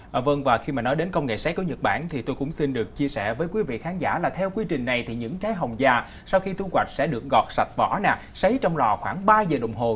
à vâng và khi mà nói đến công nghệ sấy của nhật bản thì tôi cũng xin được chia sẻ với quý vị khán giả là theo quy trình này thì những trái hồng già sau khi thu hoạch sẽ được gọt sạch vỏ nè sấy trong lò khoảng ba giờ đồng hồ